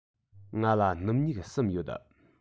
ང ལ སྣུམ སྨྱུག གསུམ ཡོད